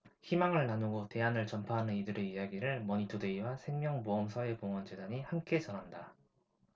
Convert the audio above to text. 희망을 나누고 대안을 전파하는 이들의 이야기를 머니투데이와 생명보험사회공헌재단이 함께 전한다